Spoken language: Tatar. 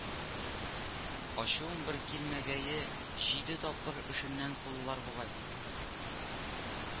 Ачуым бер килмәгәе, җиде тапкыр эшеннән кудылар бугай